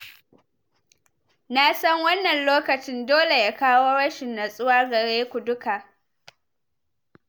Na san wannan lokaci dole ya kawo rashin natsuwa gare ku duka.